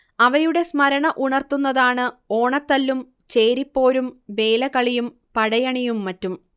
അവയുടെ സ്മരണ ഉണർത്തുന്നതാണ് ഓണത്തല്ലും ചേരിപ്പോരും വേലകളിയും പടയണിയും മറ്റും